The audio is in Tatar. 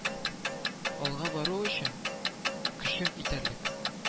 Алга бару өчен көчең итәрлек